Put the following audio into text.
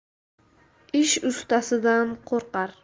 ish ustasidan qo'rqar